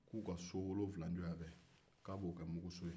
k'u ka so wolonwula jɔ yan k'a b'o kɛ muguso ye